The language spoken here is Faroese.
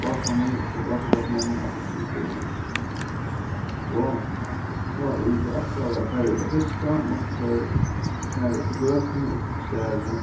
bátarnir hjá gásadalsmonnum altíð í bø og tá ið teir ætlaðu at fara út at fiska máttu teir fara eftir gøtuni upp um skarðið